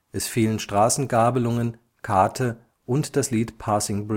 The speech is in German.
Es fehlen Straßengabelungen, Karte und das Lied Passing